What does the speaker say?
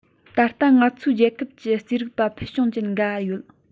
ད ལྟ ང ཚོའི རྒྱལ ཁབ ཀྱི རྩིས རིག པ ཕུལ བྱུང ཅན འགའ ཡོད